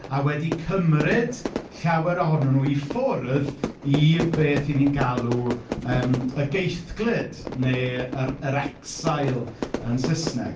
a wedi cymryd llawer ohonon nhw i ffwrdd i beth y'n ni'n galw, yy, y geithglyd neu yr yr exile yn Saesneg.